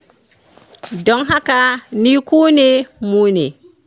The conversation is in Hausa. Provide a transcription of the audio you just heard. “Don haka ni ku ne, mu ne.